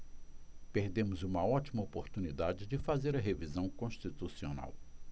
perdemos uma ótima oportunidade de fazer a revisão constitucional